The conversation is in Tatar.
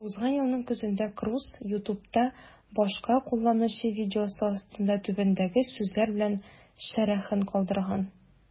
Узган елның көзендә Круз YouTube'та башка кулланучы видеосы астында түбәндәге сүзләр белән шәрехен калдырган: